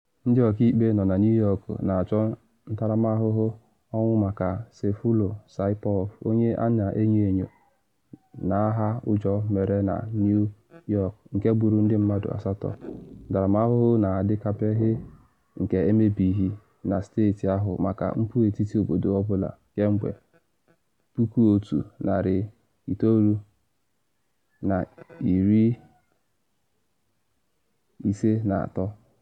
Ndị ọkaikpe nọ na New York na achọ ntaramahụhụ ọnwụ maka Sayfullo Saipov, onye a na enyo enyo na agha ụjọ mere na New York nke gburu ndị mmadụ asatọ -- ntaramahụhụ na adịkabeghị nke emebeghị na steeti ahụ maka mpụ etiti obodo ọ bụla kemgbe 1953.